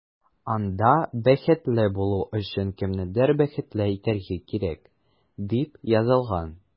Анда “Бәхетле булу өчен кемнедер бәхетле итәргә кирәк”, дип язылган.